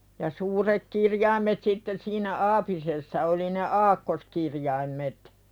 ja suuret kirjaimet sitten siinä aapisessa oli ne aakkoskirjaimet